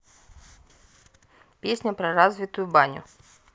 песня про развитую баню